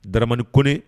Daramani ni koe